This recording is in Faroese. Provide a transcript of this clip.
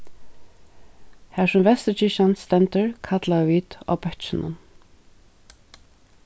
har sum vesturkirkjan stendur kallaðu vit á bøkkinum